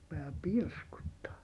rupeaa pirskuttamaan